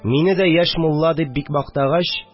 Мине дә яшь мулла дип бик мактагач